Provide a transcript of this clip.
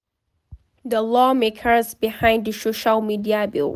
The lawmakers behind the social media bill